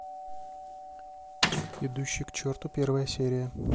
идущий к черту первая серия